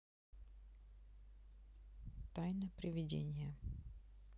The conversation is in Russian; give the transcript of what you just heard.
тайна привидения